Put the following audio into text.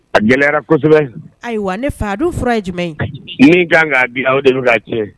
A gɛlɛyara kosɛbɛ ayiwa ne fa dun fura ye jumɛn min kan k'a bi aw de kaa cɛ